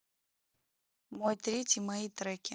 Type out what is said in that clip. мой третий мои треки